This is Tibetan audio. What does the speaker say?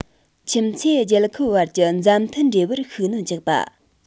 ཁྱིམ མཚེས རྒྱལ ཁབ བར གྱི མཛའ མཐུན འབྲེལ བར ཤུགས སྣོན རྒྱག པ